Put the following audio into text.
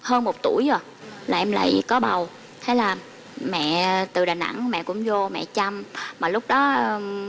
hơn một tuổi ạ là em lại có bầu thế là mẹ từ đà nẵng mẹ cũng dô mẹ chăm mà lúc đó